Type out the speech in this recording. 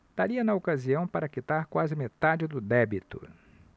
daria na ocasião para quitar quase metade do débito